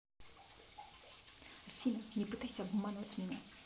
афина не пытайся обманывать меня